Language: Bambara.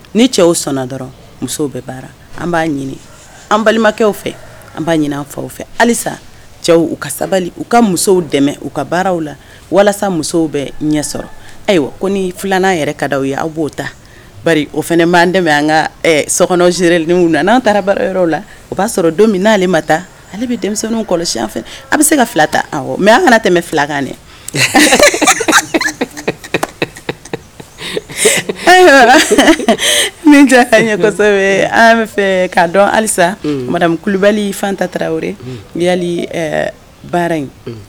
Ni cɛw sɔnna dɔrɔn musow bɛ baara an b' ɲini an balimakɛ fɛ an b'a ɲini fa fɛ halisa cɛw u ka sabali u ka musow dɛmɛ u ka baara la walasa musow bɛ ɲɛ sɔrɔ ayiwa ko filanan yɛrɛ ka aw ye aw b'o ta o fana' dɛmɛ an ka sokɔnɔ n'an taara la o b'a sɔrɔ don min n'ale ma taa ale bɛ denmisɛnw kɔlɔsi fɛ a bɛ se ka fila ta mɛ an tɛmɛ filakan min ɲɛ an fɛ k'a dɔn halisa kulubali fan ta tarawele baara in